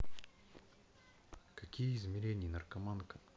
какие измерений наркоманка